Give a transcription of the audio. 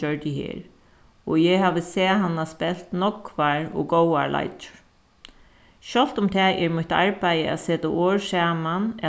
gjørdi her og eg havi sæð hana spælt nógvar og góðar leikir sjálvt um tað er mítt arbeiði at seta orð saman